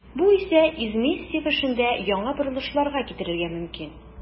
Бу исә Изместьев эшендә яңа борылышларга китерергә мөмкин.